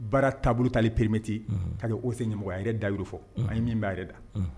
Baara taabolo tali premeti ka ose ɲɛmɔgɔ a yɛrɛ dayur fɔ a ye min b'a yɛrɛ da